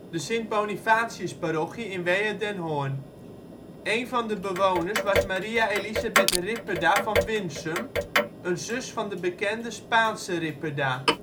de Sint-Bonifatiusparochie in Wehe-den Hoorn. Een van de bewoners was Maria Elisabeth Ripperda van Winsum, een zus van de bekende Spaanse Ripperda